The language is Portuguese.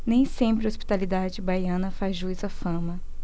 nem sempre a hospitalidade baiana faz jus à fama